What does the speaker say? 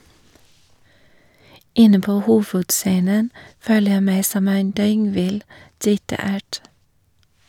- Inne på Hovudscenen føler jeg meg som en døgnvill, drita ert.